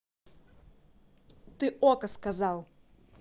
ты okko сказал